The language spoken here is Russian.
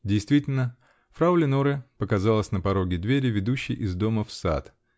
Действительно: фрау Леноре показалась на пороге двери, ведущей из дома в сад.